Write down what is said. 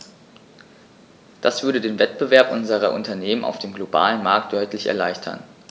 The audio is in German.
Das würde den Wettbewerb unserer Unternehmen auf dem globalen Markt deutlich erleichtern.